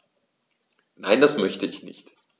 Nein, das möchte ich nicht.